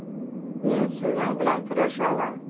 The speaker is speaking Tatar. Мин сезнең белән көрәшә алам.